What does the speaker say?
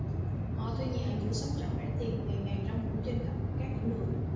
họ thuê nhà ở những xóm trọ rẻ tiền ngày ngày rong ruổi trên khắp các nẻo đường